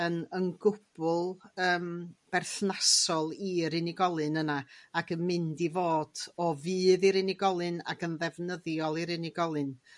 yn yn gwbl yym berthnasol i'r unigolyn yna ac yn mynd i fod o fudd i'r unigolyn ac yn ddefnyddiol i'r unigolyn